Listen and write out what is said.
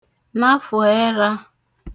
nafù erā